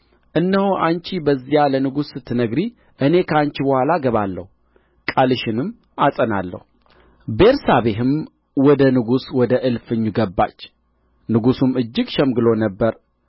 እነሆ አንቺ በዚያ ለንጉሥ ስትነግሪ እኔ ከአንቺ በኋላ እገባለሁ ቃልሽንም አጸናለሁ ቤርሳቤህም ወደ ንጉሡ ወደ እልፍኝ ገባች ንጉሡም እጅግ ሸምግሎ ነበር